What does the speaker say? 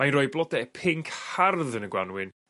Mae'n roi blode pinc hardd yn y Gwanwyn